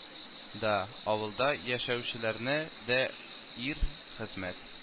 Да, авылда яшәүчеләрне дә ир, хезмәт